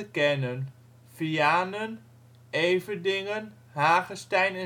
Kernen: Vianen Everdingen Hagestein